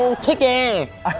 ông thích đê